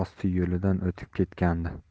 osti yo'lidan o'tib ketgandi